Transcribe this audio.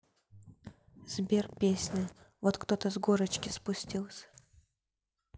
сбер песня вот кто то с горочки спустился